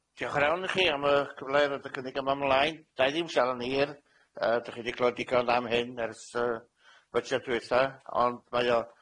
Diolch yn fawr i chi am y cyfle i roid y cynnig yma ymlaen. 'Na i ddim siarad yn hir, yy dych chi 'di clwad digon am hyn ers yy cwestiwn dwytha, ond mae o -